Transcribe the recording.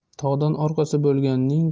tog'dan orqasi bo'lganning